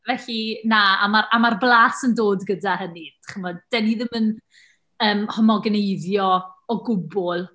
Felly, na, a mae'r a mae'r blas yn dod gyda hynny. Chimod, dan ni ddim yn homogeneiddio o gwbl.